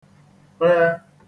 -rẹ